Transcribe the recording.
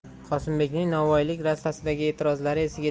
qosimbekning novvoylik rastasidagi etirozlari esiga